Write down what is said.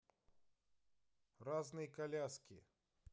разные коляски